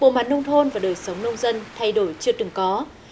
bộ mặt nông thôn và đời sống nông dân thay đổi chưa từng có